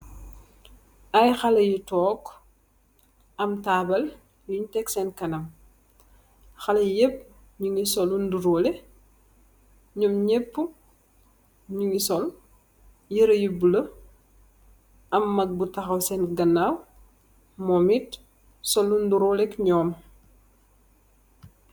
Ay xalèh yu tóóg am tabal yin tèg sèèn kanam, xalèh yi yep nu ñgi sol lu niroleh. Ñom ñap ñugi sol yirèh yu bula am mak bu taxaw sèèn ganaw momit sol lu niroleh ak ñom.